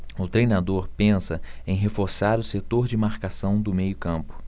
o treinador pensa em reforçar o setor de marcação do meio campo